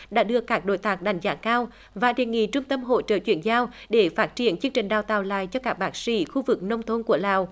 đã đưa các đối tác đánh giá cao và đề nghị trung tâm hỗ trợ chuyển giao để phát triển chương trình đào tạo lại cho các bác sĩ khu vực nông thôn của lào